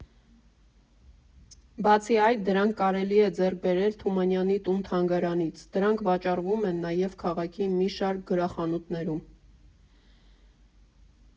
Բացի այդ, դրանք կարելի է ձեռք բերել Թումանյանի տուն֊թանգարանից, դրանք վաճառվում են նաև քաղաքի մի շարք գրախանութներում։